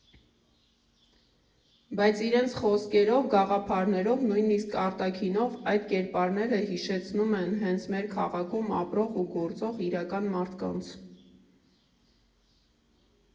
Բայց իրենց խոսքերով, գաղափարներով, նույնիսկ արտաքինով այդ կերպարները հիշեցնում են հենց մեր քաղաքում ապրող ու գործող իրական մարդկանց։